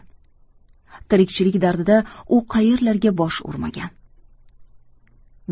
tirikchilik dardida u qayerlarga bosh urmagan